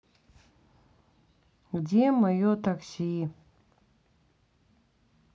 где мое такси